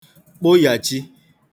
kpụ̀yachi